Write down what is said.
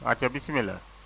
ayca bisimilah